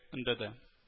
Өндәде